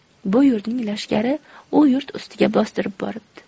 bu yurtning lashkari u yurt ustiga bostirib boribdi